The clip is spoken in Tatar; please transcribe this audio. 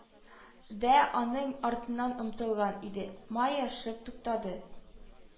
Дә аның артыннан омтылган иде, майя шып туктатты: